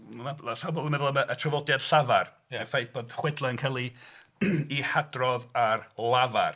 Ella mae hynna'n meddwl y traddodiad llafar y ffaith bod chwedlau yn cael eu hadrodd ar lafar.